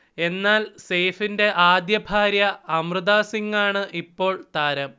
എന്നാൽ സെയ്ഫിൻ്റെ ആദ്യ ഭാര്യ അമൃത സിങ്ങാണ് ഇപ്പോൾ താരം